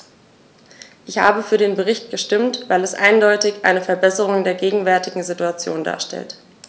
Ich habe für den Bericht gestimmt, weil er eindeutig eine Verbesserung der gegenwärtigen Situation darstellt.